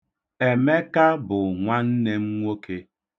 Emeka bụ nwanne m nwoke.